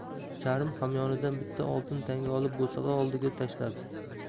charm hamyonidan bitta oltin tanga olib bo'sag'a oldiga tashladi